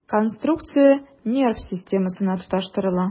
Конструкция нерв системасына тоташтырыла.